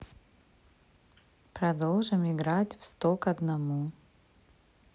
продолжим играть в сто к одному